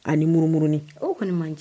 Ani ni muru murni, o kɔni ma ɲi